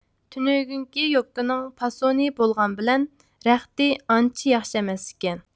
تۈنۈگۈنكى يوپكىنىڭ پاسونى بولغان بىلەن رەختى ئانچە ياخشى ئەمەس ئىكەن